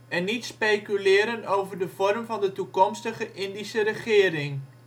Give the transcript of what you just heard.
en niet speculeren over de vorm van de toekomstige Indische regering